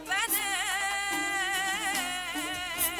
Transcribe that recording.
Maa tile